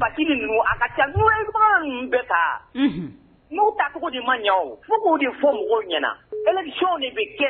baki ninnu a ka ca ninnu bɛɛ ta n'u ta tugu de ma ɲɛ fo k' de fɔ mɔgɔw ɲɛna ew de bɛ kɛ